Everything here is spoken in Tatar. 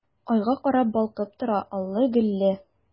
Айга карап балкып тора аллы-гөлле!